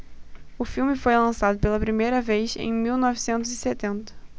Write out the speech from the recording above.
o filme foi lançado pela primeira vez em mil novecentos e setenta